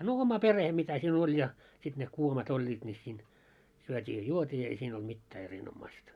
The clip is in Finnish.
no oma perhe mitä siinä oli ja sitten ne kuomat olivat niin siinä syötiin ja juotiin ei siinä ollut mitään erinomaista